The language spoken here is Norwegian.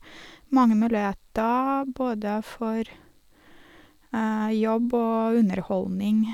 Mange muligheter, både for jobb og underholdning.